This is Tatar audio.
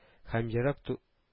Һәм ерак ту